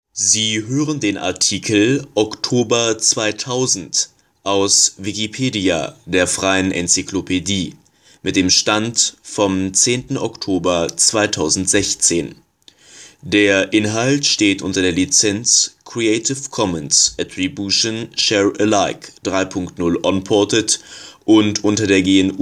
Sie hören den Artikel Oktober 2000, aus Wikipedia, der freien Enzyklopädie. Mit dem Stand vom Der Inhalt steht unter der Lizenz Creative Commons Attribution Share Alike 3 Punkt 0 Unported und unter der GNU